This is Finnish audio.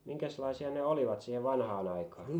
minkäslaisia ne olivat siihen vanhaan aikaan